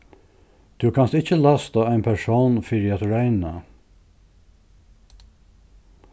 tú kanst ikki lasta ein persón fyri at royna